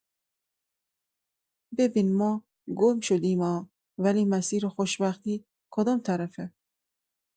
ببین ما گم شدیما، ولی مسیر خوشبختی کدوم طرفه؟